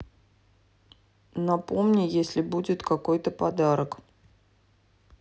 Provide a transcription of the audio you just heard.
напомни если будет какой то подарок